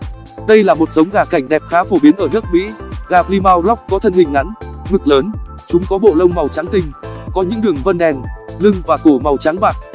đây là một giống gà cảnh đẹp khá phổ biến ở nước mỹ gà plymouth rock có thân hình ngắn ngực lớn chúng có bộ lông màu trắng tinh có những đường vân đen lưng và cổ màu trắng bạc